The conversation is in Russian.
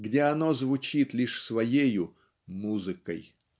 где оно звучит лишь своею "музыкой".